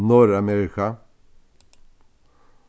norðuramerika